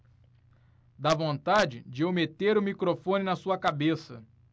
dá vontade de eu meter o microfone na sua cabeça